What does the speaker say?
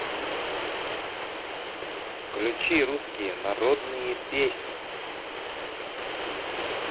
включи русские народные песни